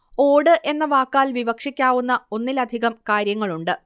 ഓട് എന്ന വാക്കാൽ വിവക്ഷിക്കാവുന്ന ഒന്നിലധികം കാര്യങ്ങളുണ്ട്